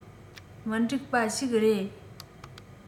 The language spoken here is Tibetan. མི འགྲིག པ ཞིག རེད